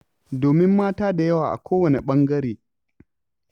Domin mata da yawa a kowane ɓangare.